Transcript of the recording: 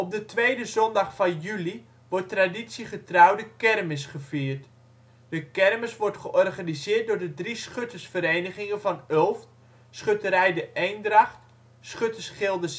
de tweede zondag van juli wordt traditiegetrouw de kermis gevierd. De kermis wordt georganiseerd door de 3 schuttersverenigingen van Ulft, Schutterij " De Eendracht ", Schuttersgilde